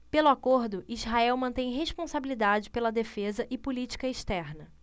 pelo acordo israel mantém responsabilidade pela defesa e política externa